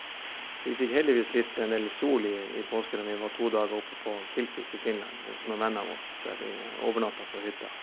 Vi fikk heldigvis litt en del sol i i påsken når vi var to dager oppe på Kilpis i Finland hos noen venner av oss, der vi overnatta på hytta.